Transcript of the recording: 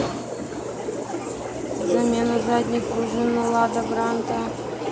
замена задних пружин на лада гранта